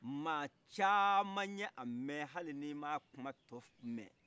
ma caman y'a mɛ hali ni ma kuma tɔmɛn